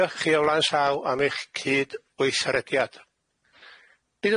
Diolch chi o flaen llaw am eich cyd-weithrediad.